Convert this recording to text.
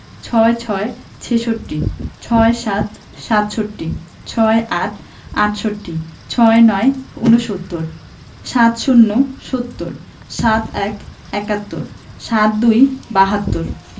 ৬৬ – ছেষট্টি ৬৭ – সাতষট্টি ৬৮ – আটষট্টি ৬৯ – ঊনসত্তর ৭০ - সত্তর ৭১ – একাত্তর ৭২ – বাহাত্তর